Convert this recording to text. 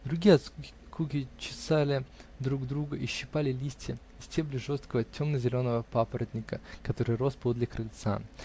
другие от скуки чесали друг друга или щипали листья и стебли жесткого темно-зеленого папоротника, который рос подле крыльца.